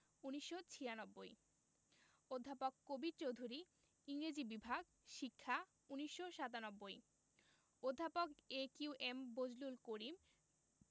১৯৯৬ অধ্যাপক কবীর চৌধুরী ইংরেজি বিভাগ শিক্ষা ১৯৯৭ অধ্যাপক A Q M Bazlul Karim